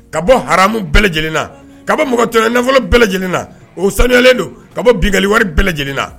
Ka bɔ haramu bɛɛ lajɛlenina ka bɔ mɔgɔ tɔɲɔnnafolo bɛɛ lajɛlenina o sanuɲalen don ka bɔ binkali wari bɛɛ lajɛlenina